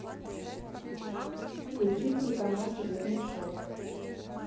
включи телеканал судебное шоу